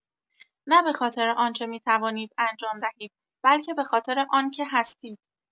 نه به‌خاطر آنچه می‌توانید انجام دهید، بلکه به‌خاطر آن‌که هستید.